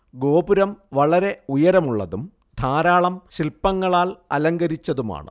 ഗോപുരം വളരെ ഉയരമുള്ളതും ധാരാളം ശില്പങ്ങളാൽ അലങ്കരിച്ചതുമാണ്